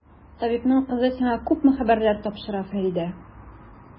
Табибның кызы сиңа күпме хәбәрләр тапшыра, Фәридә!